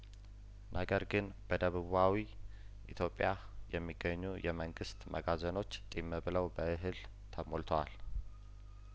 ነገር ግን በደቡባዊ ኢትዮጵያ የሚገኙ የመንግስት መጋዘኖች ጢም ብለው በእህል ተሞልተዋል